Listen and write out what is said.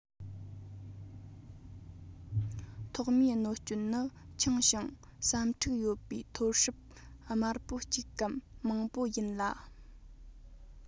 ཐོག མའི གནོད སྐྱོན ནི ཆུང ཞིང བསམ འཁྲུག ཡོད པའི ཐོར སྲིབ དམར པོ གཅིག གམ མང པོ ཡིན ལ